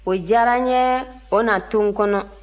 o diyara n ye o na to n kɔnɔ